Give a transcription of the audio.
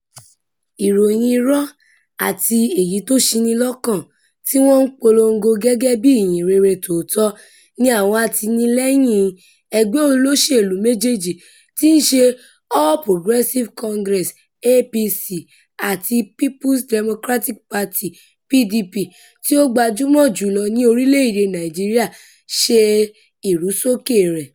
Ìròyìn irọ́ àti èyí tó ń ṣinilọ́nà tí wọ́n polongo gẹ́gẹ́ bí ìhìn rere tòótọ́, ni àwọn alátìlẹ́yìn ẹgbẹ́ olóṣèlú méjèèjì tí ń ṣe All Progressive Congress (APC) àti People's Democratic Party (PDP) tí ó gbajúmọ̀ jù lọ ní orílẹ̀-èdèe Nàìjíríà ṣe ìrúsókè rẹ̀.